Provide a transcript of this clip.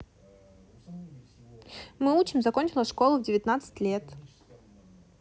мы учим закончила школу в девятнадцать лет